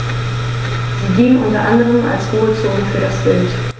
Sie dienen unter anderem als Ruhezonen für das Wild.